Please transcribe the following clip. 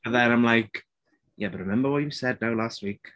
And then I'm like "yeah but remember what you said though last week?"